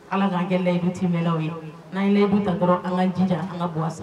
Ala k'an gɛlɛyala ye i biti mɛnlaw ye n'an ye bɛ ta dɔrɔn an ka jija an ka gan sa